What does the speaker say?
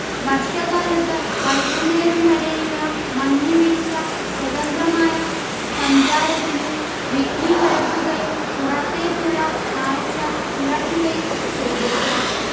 വർഷ കാലത്ത് വൈകുന്നേരം വരെയുള്ള മഞ്ഞു വീഴ്ച സ്വതന്ത്രമായ സഞ്ചാരത്തിനു വിഘ്നം വരുത്തുകയും പുറത്തേക്കുള്ള കാഴ്ച കുറയ്ക്കുകയും ചെയ്തേക്കാം